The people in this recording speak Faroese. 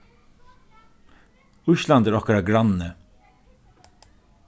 ísland er okkara granni